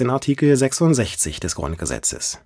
Artikel 66 des Grundgesetzes